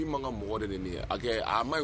I man kan ka mɔgɔ de nɛni, hakɛ a ma ɲi .